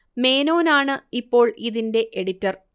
മേനോനാണ് ഇപ്പോൾ ഇതിന്റെ എഡിറ്റർ